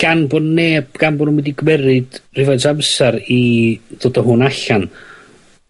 Gan bo' neb gan bo' nw'm mynd i gymeryd rhywfaint o amsar i dod â hwn allan